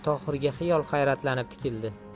tohirga xiyol hayratlanib tikildi